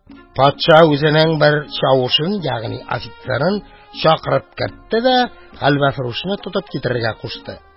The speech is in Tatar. Патша үзенең бер чавышын, ягъни офицерын, чакырып кертте дә хәлвәфрүшне тотып китерергә кушты.